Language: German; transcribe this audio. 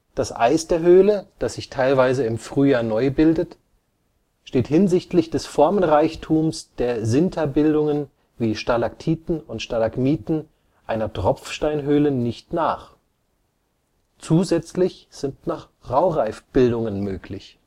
Das Eis der Höhle, das sich teilweise im Frühjahr neu bildet, steht hinsichtlich des Formenreichtums der Sinterbildungen, wie Stalaktiten und Stalagmiten, einer Tropfsteinhöhle nicht nach. Zusätzlich sind noch Raureifbildungen möglich